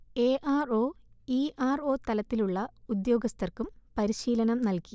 A R O, E R O തലത്തിലുള്ള ഉദ്യോഗസ്ഥർക്കും പരിശീലനം നൽകി